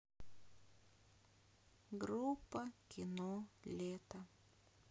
группа кино лето